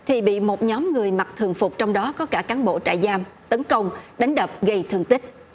thì bị một nhóm người mặc thường phục trong đó có cả cán bộ trại giam tấn công đánh đập gây thương tích